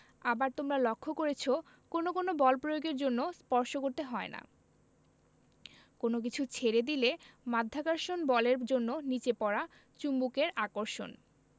আবার তোমরা লক্ষ করেছ কোনো কোনো বল প্রয়োগের জন্য স্পর্শ করতে হয় না কোনো কিছু ছেড়ে দিলে মাধ্যাকর্ষণ বলের জন্য নিচে পড়া চুম্বকের আকর্ষণ